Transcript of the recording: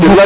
mukk